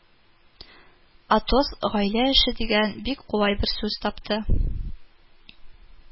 Атос гаилә эше дигән бик кулай бер сүз тапты